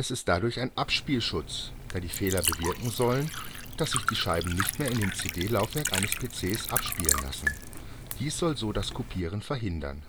Es ist dadurch ein „ Abspielschutz “, da die Fehler bewirken sollen, dass sich die Scheiben nicht mehr in dem CD-Laufwerk eines PCs abspielen lassen. Dies soll so das Kopieren verhindern.